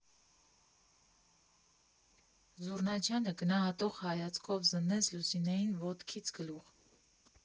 Զուռնաչյանը գնահատող հայացքով զննեց Լուսինեին ոտքից գլուխ։